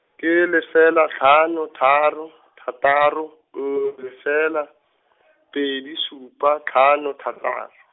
ke lefela tlhano tharo, thataro, nngwe lefela , pedi supa tlhano thataro.